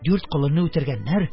Дүрт колынны үтергәннәр